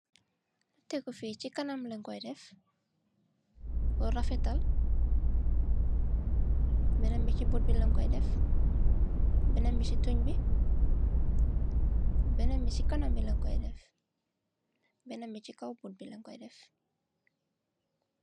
Ci kanam làñ Koy def, rafetal, benen bi ci kanam làñ Koy def , bénen bi ci tuñ bi, si si kanam lañ Koy def, bénen bi ci kow bët bi làñ Koy def,